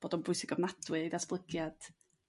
bod o'n bwysig ofnadwy i ddatblygiad